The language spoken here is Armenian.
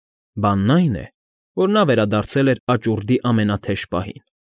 Բանն այն է, որ նա վերադարձել էր աճուրդի ամենաթեժ պահին։